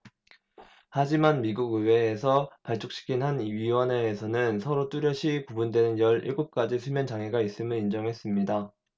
하지만 미국 의회에서 발족시킨 한 위원회에서는 서로 뚜렷이 구분되는 열 일곱 가지 수면 장애가 있음을 인정했습니다